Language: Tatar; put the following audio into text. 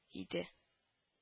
Иде